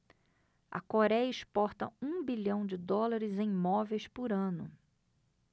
a coréia exporta um bilhão de dólares em móveis por ano